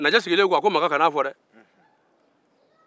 naaje sigilen ko kan'a fo demakan